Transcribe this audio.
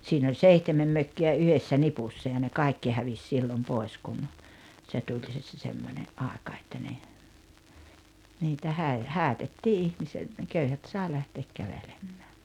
siinä oli seitsemän mökkiä yhdessä nipussa ja ne kaikki hävisi silloin pois kun se tuli se se se semmoinen aika että ne niitä - häädettiin - ne köyhät sai lähteä kävelemään